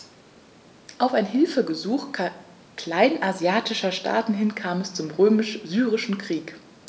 Auf ein Hilfegesuch kleinasiatischer Staaten hin kam es zum Römisch-Syrischen Krieg.